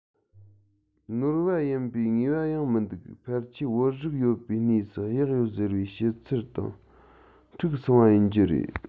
ནོར བ ཡིན པའི ངེས པ ཡང མི འདུག ཕལ ཆེར བོད རིགས ཡོད པའི གནས སུ གཡག ཡོད ཟེར བའི བཤད ཚུལ དང འཁྲུག སོང བ ཡིན རྒྱུ རེད